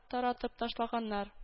Таратып ташлаганнар